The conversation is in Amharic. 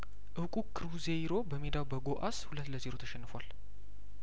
እውቁ ክሩዜይሮ በሜዳው በጐአስ ሁለት ለዜሮ ተሸንፏል